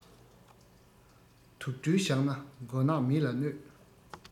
དུག སྦྲུལ བཞག ན མགོ ནག མི ལ གནོད